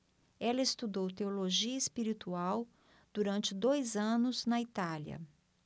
ela estudou teologia espiritual durante dois anos na itália